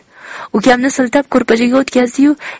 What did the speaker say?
ukamni siltab ko'rpachaga o'tkazdi yu